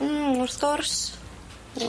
Hmm wrth gwrs.